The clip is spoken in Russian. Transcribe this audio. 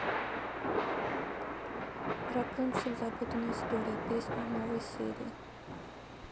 рапунцель запутанная история песни новые серии